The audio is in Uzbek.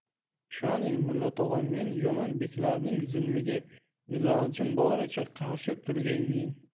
ishoning mulla tog'a men yomon beklarning zulmiga ilojim boricha qarshi turgaymen